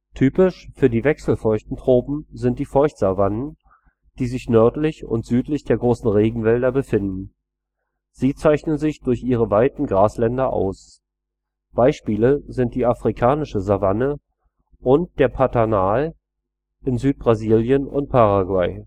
Typisch für die wechselfeuchten Tropen sind die Feuchtsavannen, die sich nördlich und südlich der großen Regenwälder befinden. Sie zeichnen sich durch ihre weiten Grasländer aus. Beispiele sind die afrikanische Savanne und der Pantanal in Südbrasilien und Paraguay